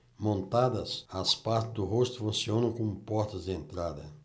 montadas as partes do rosto funcionam como portas de entrada